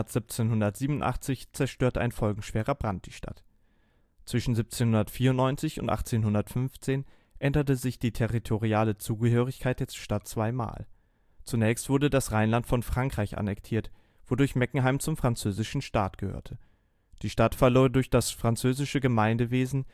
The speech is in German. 1787 zerstörte ein folgenschwerer Brand die Stadt. Zwischen 1794 und 1815 änderte sich die territoriale Zugehörigkeit der Stadt zweimal: Zunächst wurde das Rheinland von Frankreich annektiert, wodurch Meckenheim zum französischen Staat gehörte. Die Stadt verlor durch das französische Gemeindewesen